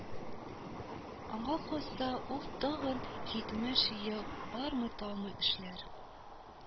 Аңа калса, ул тагын җитмеш ел армый-талмый эшләр